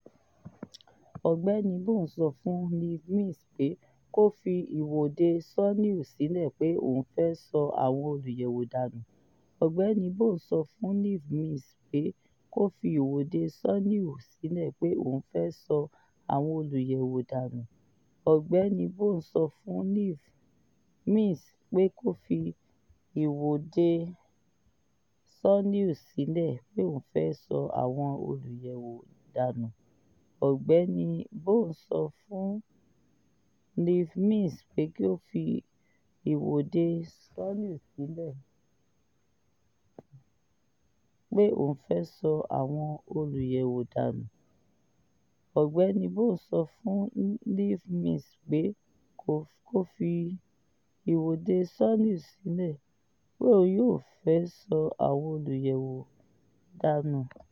Ọ̀gbẹ́ni Bone sọ fún Leave Means pé kó fi ìwọ́de Solihull sílẹ̀ pé òun fẹ́ 'sọ àwọn olùyẹ̀wò dànú'.